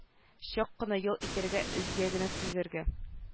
Чак кына ял итәргә әзгә генә түзәргә